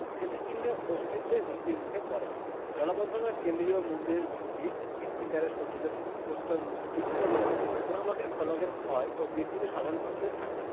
স্মৃতিচিহ্নের অস্তিত্বই হুমকির মুখে পড়ে জলাবদ্ধতা কেন্দ্রীয় মন্দিরের ভিত্তি ভিত্তিগাত্রে সজ্জিত প্রস্তর মূর্তি এবং পোড়ামাটির ফলকের ক্ষয় ও বিকৃতি সাধন করতে থাকে